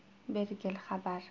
bergil xabar